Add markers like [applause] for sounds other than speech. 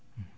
[hesitation] [hesitation]